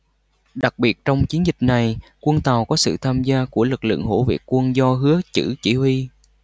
đặc biệt trong chiến dịch này quân tào có sự tham gia của lực lượng hổ vệ quân do hứa chử chỉ huy